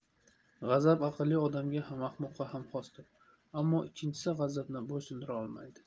g'azab aqlli odamga ham ahmoqqa ham xosdir ammo ikkinchisi g'azabni bo'ysundira olmaydi